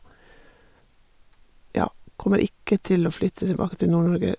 Ja, kommer ikke til å flytte tilbake til Nord-Norge.